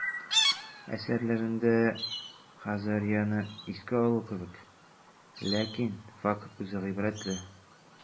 Әсәрләрендә Хазарияне искә алу кебек, ләкин факт үзе гыйбрәтле.